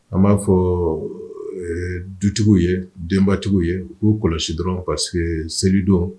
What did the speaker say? A b'a fɔ dutigiw ye denbatigiw ye u kɔlɔsi dɔrɔn parce que selidon